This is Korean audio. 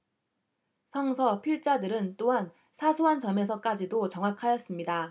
성서 필자들은 또한 사소한 점에서까지도 정확하였습니다